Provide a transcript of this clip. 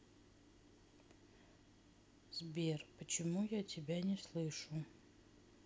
сбер почему я тебя не слышу